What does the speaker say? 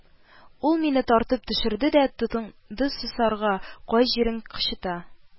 Ул мине тартып төшерде дә тотынды сосарга, кай җирең кычыта